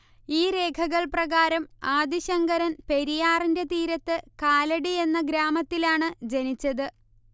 ഈ രേഖകള് പ്രകാരം ആദി ശങ്കരന് പെരിയാറിന്റെ തീരത്ത് കാലടി എന്ന ഗ്രാമത്തിലാണ് ജനിച്ചത്